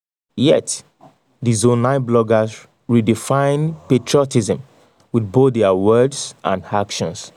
Yet, the Zone9 bloggers redefined patriotism with both their words and actions.